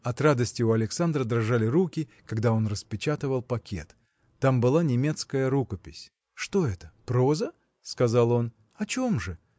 От радости у Александра дрожали руки, когда он распечатывал пакет. Там была немецкая рукопись. Что это – проза? – сказал он, – о чем же?